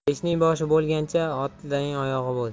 beshning boshi bo'lgancha oltining oyog'i bo'l